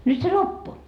nyt se loppu